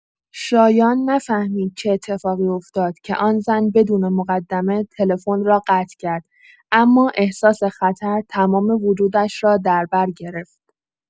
شایان نفهمید چه اتفاقی افتاد که آن زن بدون مقدمه تلفن را قطع کرد، اما احساس خطر تمام وجودش را در بر گرفت.